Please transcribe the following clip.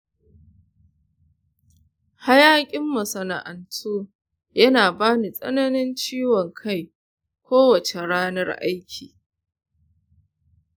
hayaƙin masana’antu yana ba ni tsananin ciwon kai kowace ranar aiki.